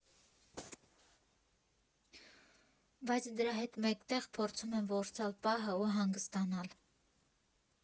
Բայց դրա հետ մեկտեղ փորձում եմ որսալ պահը ու հանգստանալ։